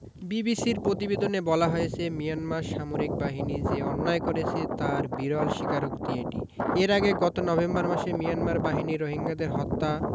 বিবিসির পতিবেদনে বলা হয়েছে মিয়ানমার সামরিক বাহিনী যে অন্যায় করেছে তার বিরল স্বীকারোক্তি এটি এর আগে গত নভেম্বর মাসে মিয়ানমার বাহিনী রোহিঙ্গাদের হত্যা